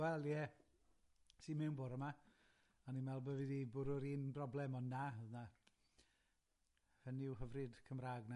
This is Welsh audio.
Wel ie, es i mewn bore 'ma, a o'n i'n me'wl bo' fi 'di bwrw'r un broblem, on' na, on' na, hynny yw hyfryd Cymraeg 'na.